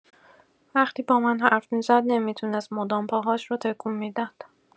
وقتی با من حرف می‌زد نمی‌تونست مدام پاهاش رو تکون می‌داد.